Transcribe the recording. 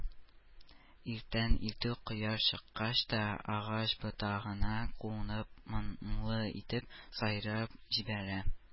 Иртән-иртүк, кояш чыккач та, агач ботагына кунып моңлы итеп сайрап җибәрә